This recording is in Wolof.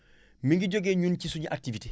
mi ngi jógee ñun ci suñu activité